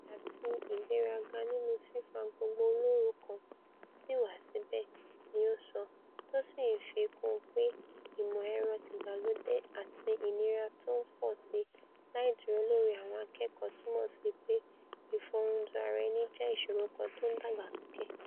Àṣà ti ìgbéraga nínú 'fífa gbogbo-olóru kan' sì wà síbẹ̀, ni ó sọ, tó sì ńfi kún un pé ìmọ̀-ẹ̀rọ tìgbàlódé àti ìnira tó ńpọ̀síi láìdúró lórí àwọn akẹ̵́kọ̀ọ́ túmọ̀ síipé ìfoorundunara-ẹni jẹ́ ìṣòro kan tó ńdàgbàsókè.